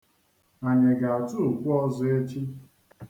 Anyị ga-atụ okwe ọzọ echi?